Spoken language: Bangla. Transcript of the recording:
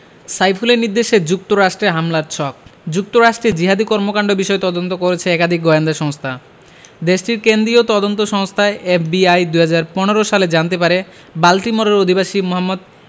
সাইফুলের নির্দেশে যুক্তরাষ্টে হামলার ছক যুক্তরাষ্টে জিহাদি কর্মকাণ্ড বিষয়ে তদন্ত করেছে একাধিক গোয়েন্দা সংস্থা দেশটির কেন্দ্রীয় তদন্ত সংস্থা এফবিআই ২০১৫ সালে জানতে পারে বাল্টিমোরের অধিবাসী মোহাম্মদ